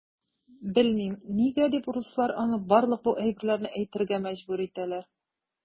Белмим, нигә дип руслар аны барлык бу әйберләрне әйтергә мәҗбүр итәләр.